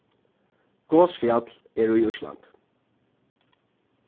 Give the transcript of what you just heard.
gosfjall er í íslandi